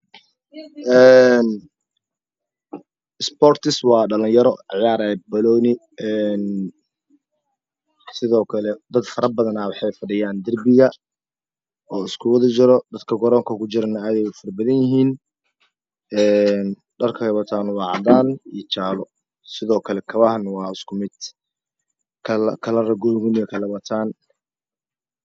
Een sports waye dhaliyaro banooni ciyarayan sido kale dad faro badan waxay fadhiyan darbiga oo iskuwad jiro dadka garoonka ku jira way fara badanyihiin dhark ay watan cadan iyo jaale sido kale kabaha wa isku mid kalar gaduudan ay kala watan